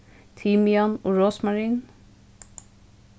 timian og rosmarin